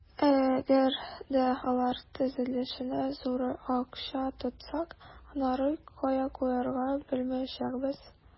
Әгәр дә алар төзелешенә зур акча тотсак, аннары кая куярга белмәячәкбез.